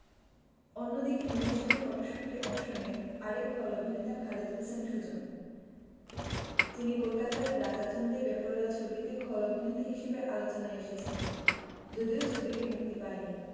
অন্যদিকে মিমের সাথে ফটশুটে অংশ নেন আরেক খল অভিনেতা খালেদ হোসেন সুজন যিনি কলকাতার রাজা চন্দের বেপরোয়া ছবিতে খল অভিননেতা হিসেবে আলোচনায় এসেছেন যদিও ছবিটি মুক্তি পায়নি